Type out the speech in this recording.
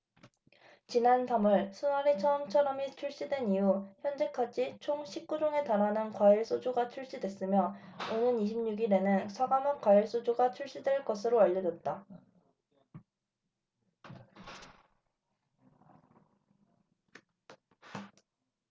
지난 삼 월 순하리 처음처럼이 출시된 이후 현재까지 총 십 구 종에 달하는 과일소주가 출시됐으며 오는 이십 육 일에는 사과맛 과일소주가 출시될 것으로 알려졌다